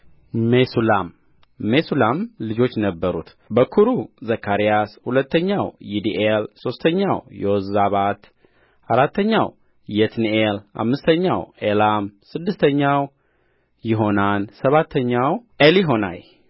ሜሱላም ሜሱላም ልጆች ነበሩት በኵሩ ዘካርያስ ሁለተኛው ይዲኤል ሦስተኛው ዮዛባት አራተኛው የትኒኤል አምስተኛው ኤላም ስድስተኛው ይሆሐናን ሰባተኛው ኤሊሆዔናይ